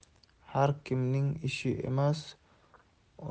har kimning ishi emas uloq